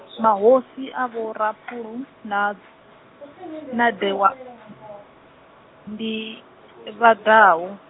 mahosi avho Raphulu na , na Dewa-, ndi, Vhadau.